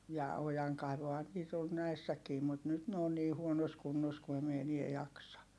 ja ojankaivuuhan nyt on näissäkin mutta nyt ne on niin huonossa kunnossa kun en minä enää jaksa